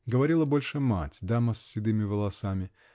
Говорила больше мать, дама с седыми волосами.